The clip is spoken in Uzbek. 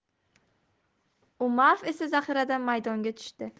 umarov esa zaxiradan maydonga tushdi